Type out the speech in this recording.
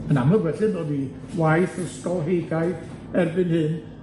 Yn amlwg felly do'dd 'i waith ysgolheigaidd erbyn hyn,